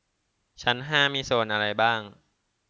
ชั้นห้ามีโซนอะไรบ้าง